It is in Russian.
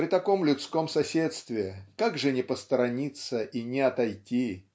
при таком людском соседстве как же не посторониться и не отойти